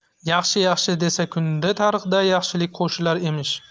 yaxshi yaxshi desa kunda tariqday yaxshilik qo'shilar emish